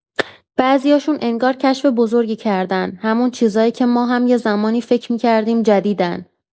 بعضیاشون انگار کشف بزرگی کردن، همون چیزایی که ما هم یه زمانی فکر می‌کردیم جدیدن.